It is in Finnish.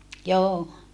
joo